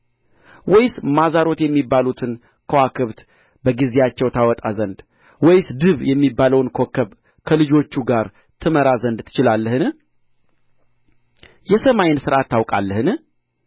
ወይስ ማዛሮት የሚባሉትን ከዋክብት በጊዜያቸው ታወጣ ዘንድ ወይስ ድብ የሚባለውን ኮከብ ከልጆቹ ጋር ትመራ ዘንድ ትችላለህን የሰማይን ሥርዓት ታውቃለህን